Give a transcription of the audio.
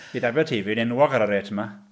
Bydd Aberteifi'n enwog ar y rêt yma?